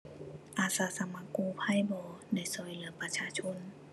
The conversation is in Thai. อาสาสมัครกู้ภัยบ่ ได้ช่วยเหลือประชาชน